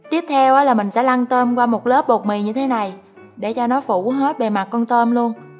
tiếp theo là mình sẽ lăn tôm qua một lớp bột mì như thế này để cho nó phủ hết bề mặt con tôm luôn